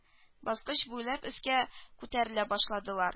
Баскыч буйлап өскә күтәрелә башладылар